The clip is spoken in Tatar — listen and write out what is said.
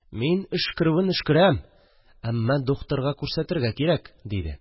– мин өшкерүен өшкерәм, әммә духтырга күрсәтергә кирәк, – диде